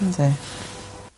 Yndi.